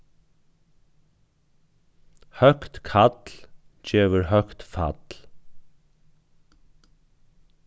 høgt kall gevur høgt fall